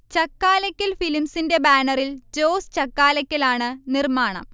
ചക്കാലക്കൽ ഫിലിമ്സിൻെറ ബാനറിൽ ജോസ് ചക്കാലക്കലാണ് നിർമ്മാണം